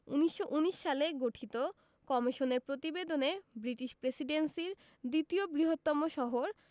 নেতৃত্বে ১৯১৯ সালে গঠিত কমিশনের প্রতিবেদনে ব্রিটিশ প্রেসিডেন্সির দ্বিতীয় বৃহত্তম শহর